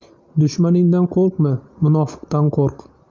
dushmaningdan qo'rqma munofiqdan qo'rq